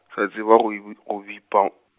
sa tseba go bi-, go bipa.